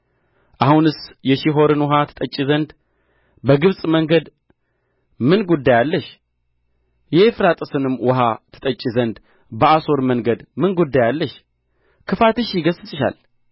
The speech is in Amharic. አሁንስ የሺሖርን ውኃ ትጠጪ ዘንድ በግብጽ መንገድ ምን ጉዳይ አለሽ የኤፍራጥስንም ውኃ ትጠጪ ዘንድ በአሦር መንገድ ምን ጉዳይ አለሽ ክፋትሽ ይገሥጽሻል